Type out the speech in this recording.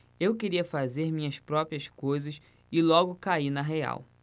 eu queria fazer minhas próprias coisas e logo caí na real